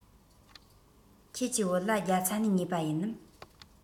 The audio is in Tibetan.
ཁྱེད ཀྱི བོད ལྭ རྒྱ ཚ ནས ཉོས པ ཡིན ནམ